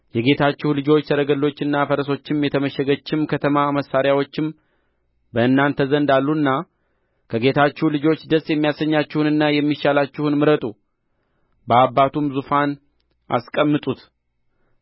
የጌታችሁ ልጆች ሰረገሎችና ፈረሶችም የተመሸገችም ከተማ መሣሪያዎችም በእናንተ ዘንድ አሉና ከጌታችሁ ልጆች ደስ የሚያሰኛችሁንና የሚሻላችሁን ምረጡ በአባቱም ዙፋን አስቀምጡት